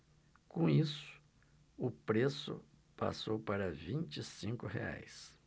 com isso o preço passou para vinte e cinco reais